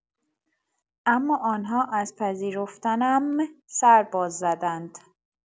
اما آن‌ها از پذیرفتنم سر باز زدند.